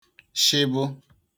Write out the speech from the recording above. shịbụ